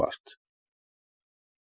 Վարդ։